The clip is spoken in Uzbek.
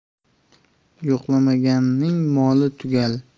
yo'qlamaganning moli tugal